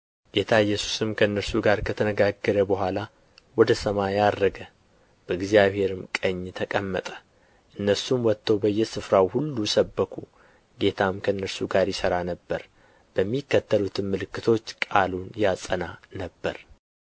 ጌታ ኢየሱስም ከእነርሱ ጋር ከተናገረ በኋላ ወደ ሰማይ ዐረገ በእግዚአብሔርም ቀኝ ተቀመጠ እነርሱም ወጥተው በየስፍራው ሁሉ ሰበኩ ጌታም ከእነርሱ ጋር ይሠራ ነበር በሚከተሉትም ምልክቶች ቃሉን ያጸና ነበር